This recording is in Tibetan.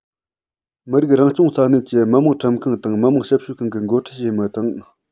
མི རིགས རང སྐྱོང ས གནས ཀྱི མི དམངས ཁྲིམས ཁང དང མི དམངས ཞིབ དཔྱོད ཁང གི འགོ ཁྲིད བྱེད མི དང